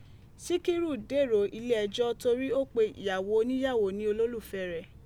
Sikiru dèrò ilé ẹjọ́ torí ó pe ìyàwó oníyàwó ní olólùfẹ́ rẹ̀.